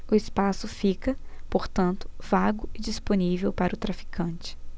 o espaço fica portanto vago e disponível para o traficante